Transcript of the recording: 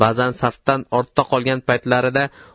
ba'zan safdan ortda qolgan paytlarida